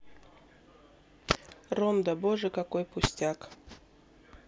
рондо боже какой пустяк